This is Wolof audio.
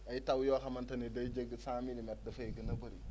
ay taw yoo xamante ni day jéggi cent milimètres dafa gën a bëri